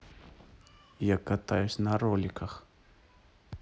я катаюсь на роликах